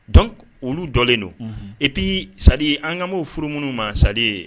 Dɔn olu dɔlen don eppi sa an ka' furuunu ma sadi ye